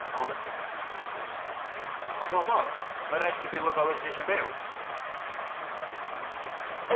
Honestly, fi'n really gwael at 'neud hwnna. Ond pobl! Mae'n raid chi byw y bywyd chi isie byw! Ond five quid budget jiw.